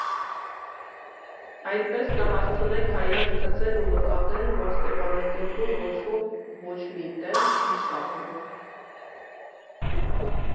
Այդպես կհասցնեք հայացք գցել ու նկատել, որ Ստեփանակերտում ոչ ոք ոչ մի տեղ չի շտապում։